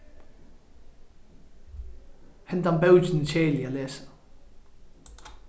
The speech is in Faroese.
hendan bókin er keðilig at lesa